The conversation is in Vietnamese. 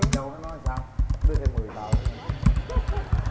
con dâu nó nói sao đưa thêm mười tờ nữa hả